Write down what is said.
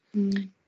Hmm.